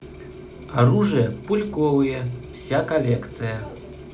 оружие пульковые вся коллекция